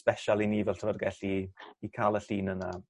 sbesial i ni fel llyfyrgell i i ca'l y llun yna.